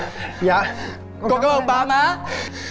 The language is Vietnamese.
dạ con cám ơn ba má